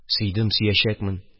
Сөйдем, сөячәкмен